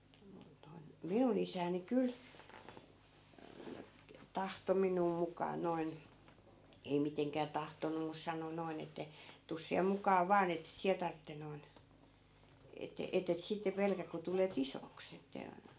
minun noin minun isäni kyllä tahtoi minua mukaan noin ei mitenkään tahtonut mutta sanoi noin että tule sinä mukaan vain että et sinä tarvitse noin - että et sitten pelkää kun tulet isoksi että